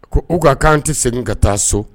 Ko u ka k'an tɛ segin ka taa so